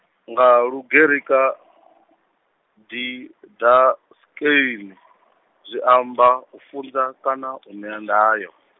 nga Lugerika, didaskein, zwi amba u funza kana u ṋea ndayo.